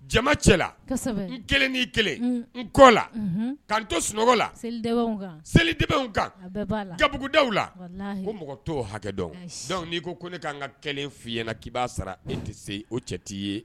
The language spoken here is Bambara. Jama cɛ la n kelen ni'i kelen n kɔ la ka n to sunɔgɔ la selidi kan gabuguda la ko mɔgɔ to hakɛ dɔn n'i ko ko ne k' kan ka kelen fi ɲɛna na k'i'a sara e tɛ se o cɛ' i ye